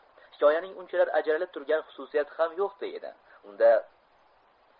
hikoyaning unchalar ajralib turgan xususiyati ham yo'qday edi